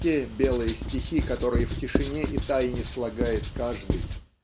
те белые стихи, которые в тишине и тайне слагает каждый.